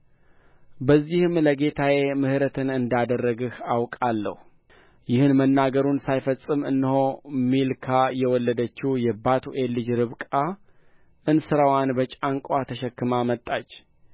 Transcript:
በዚህም ለጌታዬ ምሕረትን እንዳደረግህ አውቃለሁ ይህን መናገሩንም ሳይፈጽም እነሆ ሚልካ የወለደችው የባቱኤል ልጅ ርብቃ እንስራዋን በጫንቃዋ ተሸክማ ወጣች